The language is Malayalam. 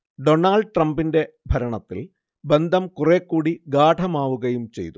ഡൊണാൾഡ് ട്രംപിന്റെ ഭരണത്തിൽ ബന്ധം കുറേക്കൂടി ഗാഢമാവുകയും ചെയ്തു